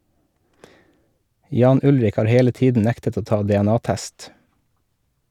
Jan Ullrich har hele tiden nektet å ta DNA-test.